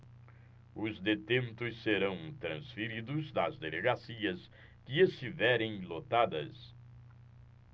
os detentos serão transferidos das delegacias que estiverem lotadas